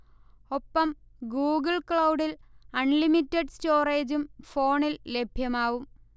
ഒപ്പം ഗൂഗിൾ ക്ലൗഡിൽ അൺലിമിറ്റഡ് സ്റ്റോറേജും ഫോണിൽ ലഭ്യമാവും